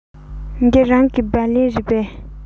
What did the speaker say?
འདི རང གི སྦ ལན རེད པས